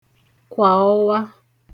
kwa ọwa